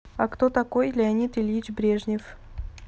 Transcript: а кто такой леонид ильич брежнев